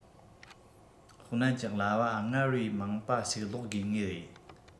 ཧུའུ ནན གྱི གླ པ སྔར བས མང པ ཞིག ལོག དགོས ངེས རེད